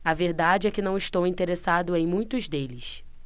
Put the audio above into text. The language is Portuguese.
a verdade é que não estou interessado em muitos deles